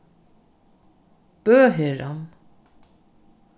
bøherðan